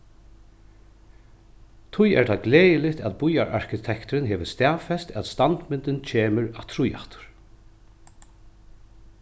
tí er tað gleðiligt at býararkitekturin hevur staðfest at standmyndin kemur afturíaftur